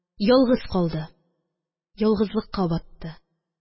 Ялгыз калды, ялгызлыкка батты.